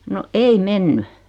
no ei mennyt